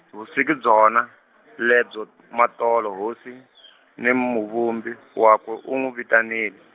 vusiku byona, lebya matolo hosi , ni Muvumbi wakwe u nwi vitanile.